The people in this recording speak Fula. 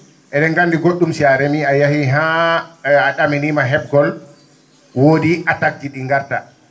e?en nganndi go??um si a remii a yahii haa a ?aminiima he?gol woodi attaque ji ?i ngarta